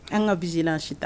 An ka bin an si tan